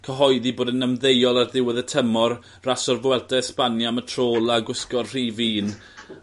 cyhoeddi bod e'n ymddeuol ar ddiwedd y tymor rhaso'r Vuelta Espania am y tro ola gwisgo'r rhif un.